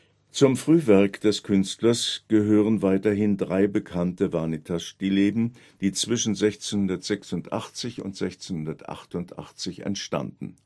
Zum Frühwerk des Künstlers gehören weiterhin drei bekannte Vanitas-Stillleben, die zwischen 1686 und 1688 entstanden